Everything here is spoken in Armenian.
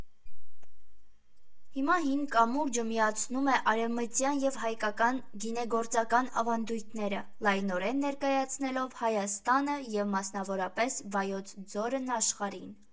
Հիմա «Հին կամուրջը» միացնում է արևմտյան և հայկական գինեգործական ավանդույթները՝ լայնորեն ներկայացնելով Հայաստանը և մասնավորապես Վայոց ձորն աշխարհին։